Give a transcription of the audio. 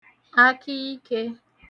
akaikē